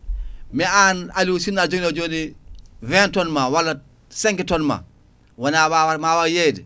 mais an Aliou sinno aɗa joguino 20 tonnes ma walla 5 tonne ma wona a wawa ma waw yeeyde